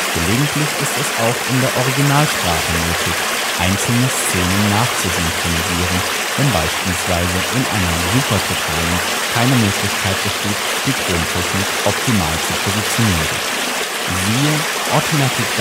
Gelegentlich ist es auch in der Originalsprache nötig, einzelne Szenen nachzusynchronisieren, wenn beispielsweise in einer Supertotalen keine Möglichkeit besteht, die Tontechnik optimal zu postieren (siehe Automatic